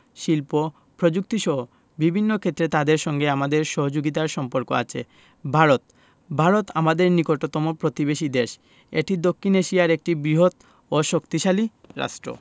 শিল্প প্রযুক্তিসহ বিভিন্ন ক্ষেত্রে তাদের সঙ্গে আমাদের সহযোগিতার সম্পর্ক আছে ভারতঃ ভারত আমাদের নিকটতম প্রতিবেশী দেশএটি দক্ষিন এশিয়ার একটি বৃহৎও শক্তিশালী রাষ্ট্র